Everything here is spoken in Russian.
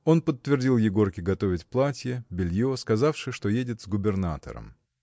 Он подтвердил Егорке готовить платье, белье, сказавши, что едет с губернатором.